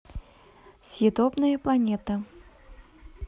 съедобная планета